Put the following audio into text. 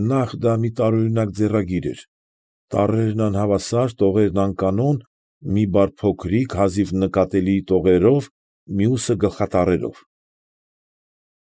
Նախ դա մի տարօրինակ ձեռագիր էր, տառերն անհավասար, տողերն անկանոն, մի բառ փոքրիկ, հազիվ նկատելի տառերով, մյուսը գլխատառերով։